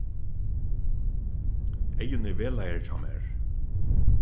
eyðun er vegleiðari hjá mær